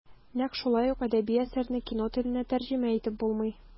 Нәкъ шулай ук әдәби әсәрне кино теленә тәрҗемә итеп булмый.